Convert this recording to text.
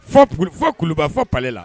Fɔ kulu kulubali fɔ pale la